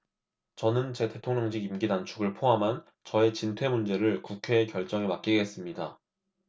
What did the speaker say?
저는 제 대통령직 임기 단축을 포함한 저의 진퇴 문제를 국회의 결정에 맡기겠습니다